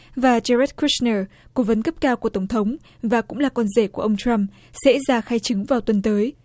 và de rét cút nờ cố vấn cấp cao của tổng thống và cũng là con rể của ông trăm sẽ ra khay trứng vào tuần tới